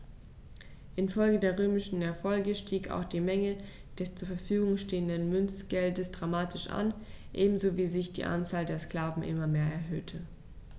Infolge der römischen Erfolge stieg auch die Menge des zur Verfügung stehenden Münzgeldes dramatisch an, ebenso wie sich die Anzahl der Sklaven immer mehr erhöhte.